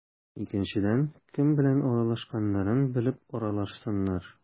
Икенчедән, кем белән аралашканнарын белеп аралашсыннар.